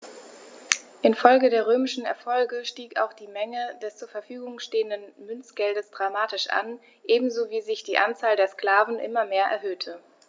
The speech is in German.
Infolge der römischen Erfolge stieg auch die Menge des zur Verfügung stehenden Münzgeldes dramatisch an, ebenso wie sich die Anzahl der Sklaven immer mehr erhöhte.